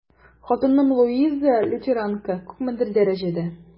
Хатыным Луиза, лютеранка, күпмедер дәрәҗәдә...